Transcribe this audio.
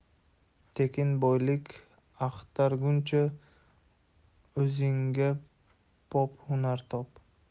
tekin boylik axtarguncha o'zingga bop hunar top